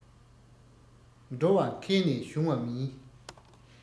འགྲོ བ མཁས ནས བྱུང བ མིན